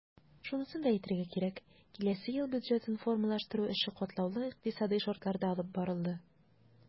Шунысын да әйтергә кирәк, киләсе ел бюджетын формалаштыру эше катлаулы икътисадый шартларда алып барылды.